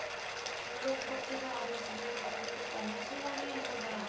별로 무겁지도 않은 짐을 들어주겠다며 실랑이 하는 사람